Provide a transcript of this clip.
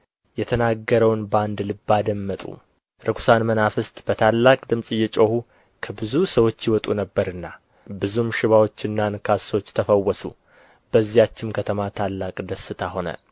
የተናገረውን በአንድ ልብ አደመጡ ርኵሳን መናፍስት በታላቅ ድምፅ እየጮኹ ከብዙ ሰዎች ይወጡ ነበርና ብዙም ሽባዎችና አንካሶች ተፈወሱ በዚያችም ከተማ ታላቅ ደስታ ሆነ